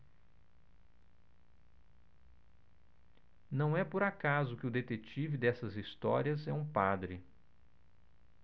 não é por acaso que o detetive dessas histórias é um padre